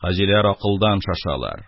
Хаҗилар акылдан шашалар.